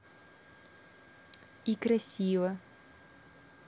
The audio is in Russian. и красиво